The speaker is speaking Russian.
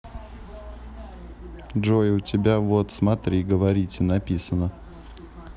джой у тебя вот смотри говорите написано